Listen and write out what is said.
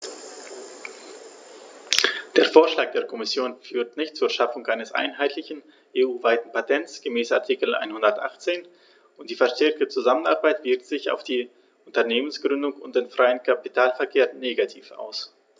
Der Vorschlag der Kommission führt nicht zur Schaffung eines einheitlichen, EU-weiten Patents gemäß Artikel 118, und die verstärkte Zusammenarbeit wirkt sich auf die Unternehmensgründung und den freien Kapitalverkehr negativ aus.